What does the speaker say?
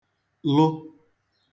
lụ